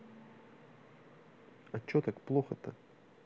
а че так плохо то